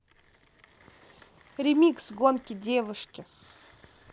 ремикс гонки девушки